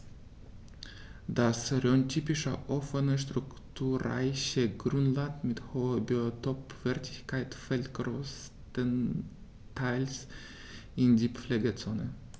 Das rhöntypische offene, strukturreiche Grünland mit hoher Biotopwertigkeit fällt größtenteils in die Pflegezone.